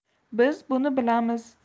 biz buni bilamiz